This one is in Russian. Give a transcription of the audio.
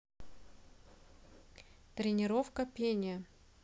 тренировка пения